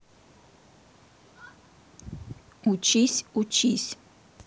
учись учись